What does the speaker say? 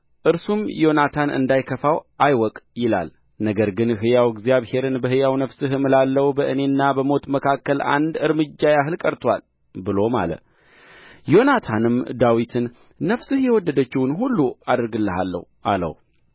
እርሱም ዮናታን እንዳይከፋው አይወቅ ይላል ነገር ግን ሕያው እግዚአብሔርን በሕያው ነፍስህም እምላለሁ በእኔና በሞት መካከል አንድ እርምጃ ያህል ቀርቶአል ብሎ ማለ ዮናታንም ዳዊትን ነፍስህ የወደደችውን ሁሉ አደርግልሃለሁ አለው